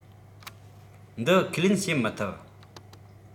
འདི ཁས ལེན བྱེད མི ཐུབ